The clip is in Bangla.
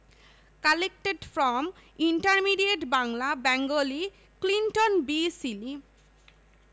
collected from intermediate Bangla Bengali Clinton B Seely